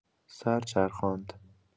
سر چرخاند.